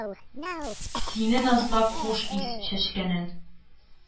Сине назлап хуш ис чәчкәнен.